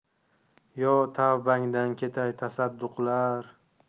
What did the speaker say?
yo tavbangdan ketay tasadduqlar